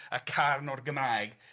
A carn o'r Gymraeg. Ia.